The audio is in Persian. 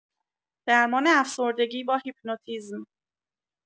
درمان افسردگی با هیپنوتیزم